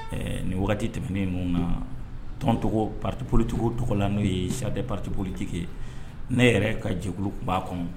Ɛɛ nin wagati tɛmɛnen ninnu na tɔn togo parti politique tɔgɔ la n'o ye charte des partis politiques ye ne yɛrɛ ka jɛkulu tun b'a kɔn.